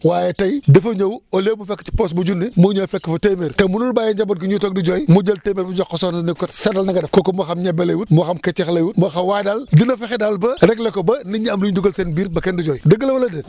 waaye tey dafa ñëw au lieu mu fekk ci poos bi junne mu ñëw fekk fa téeméer te munul bàyyi njaboot gi ñuy toog di jooy mu jël téeméer bi jox ko soxna si ne ko kat seetal na nga def kooku moo xam ñebe lay wut moo xam kecax lay wut moo xam waaye daal dina fexe daal ba réglé ko ba nit ñi am lu ñu dugal seen biir ba kenn du jooy dëgg la wala déet